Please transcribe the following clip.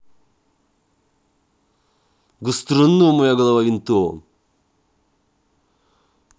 gastronom моя голова винтом